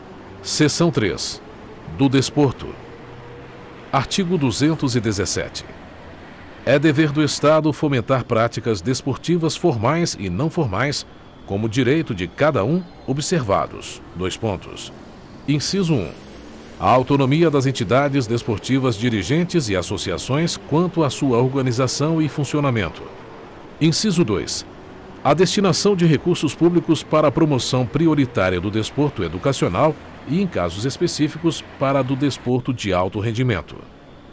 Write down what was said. seção três do desporto artigo duzentos e dezessete é dever do estado fomentar práticas desportivas formais e não formais como direito de cada um observados dois pontos inciso um a autonomia das entidades desportivas dirigentes e associações quanto a sua organização e funcionamento inciso dois a destinação de recursos públicos para a promoção prioritária do desporto educacional e em casos específicos para a do desporto de alto rendimento